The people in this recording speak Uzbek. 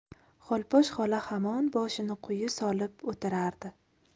xolposh xola hamon boshini quyi solib o'tirardi